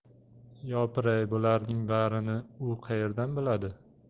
yopiray bularninng barini u qayerdan biladi